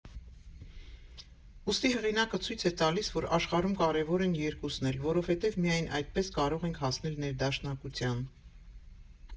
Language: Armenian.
Ուստի հեղինակը ցույց է տալիս, որ աշխարհում կարևոր են երկուսն էլ, որովհետև միայն այդպես կարող ենք հասնել ներդաշնակության։